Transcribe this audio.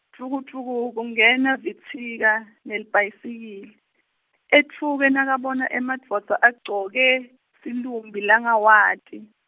Dvukudvuku, kungena Vitsika, nelibhayisikili, etfuke nakabona emadvodza agcoke, silumbi langawati.